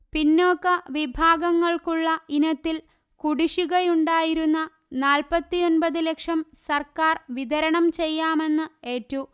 പിന്നോക്ക വിഭാഗങ്ങൾക്കുള്ള ഇനത്തിൽ കുടിശികയുണ്ടായിരുന്ന നാല്പ്പത്തിയൊന്പത് ലക്ഷം സർക്കാർ വിതരണം ചെയ്യാമെന്ന് എറ്റു